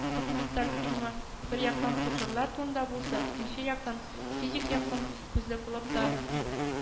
Документаль фильмы, бер яктан, сукырлар турында булса, икенче яктан, - физик яктан күзле булып та